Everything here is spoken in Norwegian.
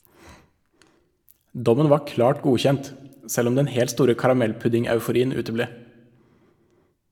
Dommen var klart godkjent, selv om den helt store karamellpudding-euforien uteble.